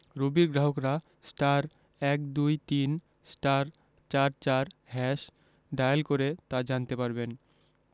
রবির গ্রাহকরা *১২৩*৪৪# ডায়াল করে তা জানতে পারবেন